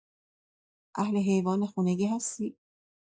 اهل حیوان خونگی هستی؟